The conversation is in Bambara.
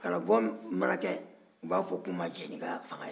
kalabɔ mana kɛ u b'a fɔ k'u ma jɛn n'a ye